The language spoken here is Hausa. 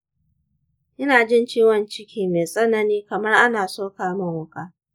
ina jin ciwon ciki mai tsanani kamar ana soka min wuƙa.